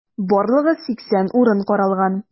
Барлыгы 80 урын каралган.